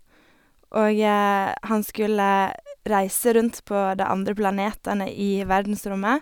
Og han skulle reise rundt på de andre planetene i verdensrommet.